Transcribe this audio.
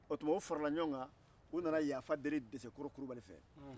u unana yaafa deli dɛsɛkɔrɔ kulibali fɛ